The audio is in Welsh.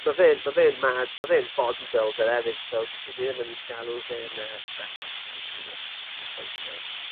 ma' fe'n ma' fe'n mad ma' fe'n body builder efyd so byswn i ddim yn galw fe'n yy brecwast plentyn os o's ti'n cwrdd â fe.